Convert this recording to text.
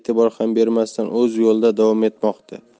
e'tibor ham bermasdan o'z yo'lida davom etmoqda